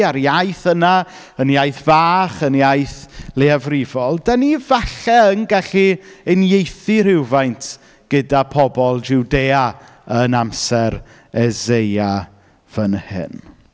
A'r iaith yna yn iaith fach, yn iaith leiafrifol, ydan ni falle yn gallu uniaethu rywfaint gyda pobl Jwdea yn amser Eseia fan hyn.